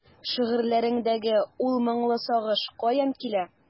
Шигырьләреңдәге ул моңлы сагыш каян килә?